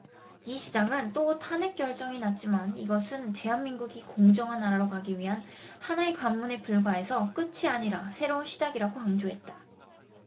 이 시장은 또 탄핵 결정이 났지만 이것은 대한민국이 공정한 나라로 가기 위한 하나의 관문에 불과해서 끝이 아니라 새로운 시작이라고 강조했다